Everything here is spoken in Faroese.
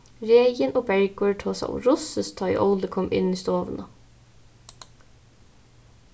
regin og bergur tosaðu russiskt tá ið óli kom inn í stovuna